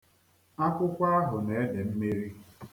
Akwụkwọ ahụ na-ede mmiri.